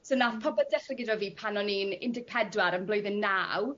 So nath popeth dechre gyda fi pan o'n i'n un deg pedwar yn blwyddyn naw.